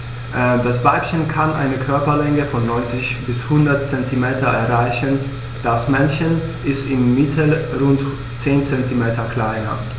Das Weibchen kann eine Körperlänge von 90-100 cm erreichen; das Männchen ist im Mittel rund 10 cm kleiner.